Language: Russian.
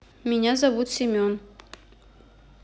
меня зовут семен